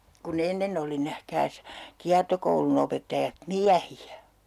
kun ennen oli nähkääs kiertokoulun opettajat miehiä